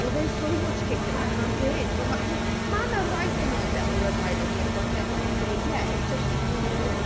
Well there's so much kicking off 'na'r peth dw- m- achos ma' 'na rai pennodau o Love Island yn y gorffenol lle ie, it's just been nhw...